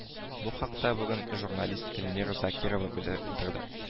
Бу хакта бүген журналист эльмира закирова беледерде